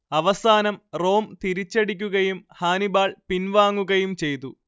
അവസാനം റോം തിരിച്ചടിക്കുകയും ഹാനിബാൾ പിൻവാങ്ങുകയും ചെയ്തു